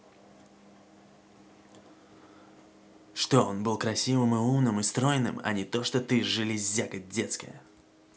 что он был красивым и умным и стройным а не то что ты железяка детская